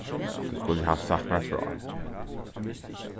tú skuldi havt sagt mær frá